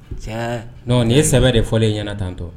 N nin ye sɛbɛ de fɔlen ɲɛna tantɔ